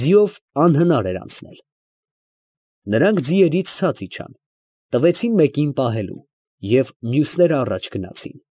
Ձիով անհնար էր անցնել։ Նրանք ցած իջան ձիերից, տվեցին մեկին պահելու, և մյուսները առաջ գնացին։